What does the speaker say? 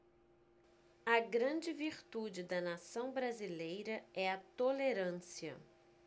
a grande virtude da nação brasileira é a tolerância